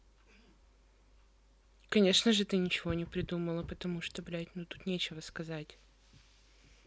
конечно же ты ничего не придумала потому что блядь ну тут нечего сказать